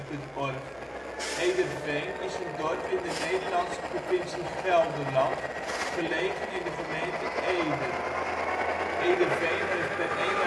OL Ederveen Plaats in Nederland Situering Provincie Gelderland Gemeente Ede Coördinaten 52° 4′ NB, 5° 35′ OL Algemeen Inwoners (1-1-2006) 3100 Portaal Nederland Ederveen is een dorp in de Nederlandse provincie Gelderland, gelegen in de gemeente Ede. Ederveen heeft 3100 (2006